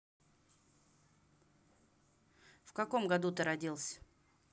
в каком году ты родился